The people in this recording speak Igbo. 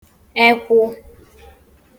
ekwụ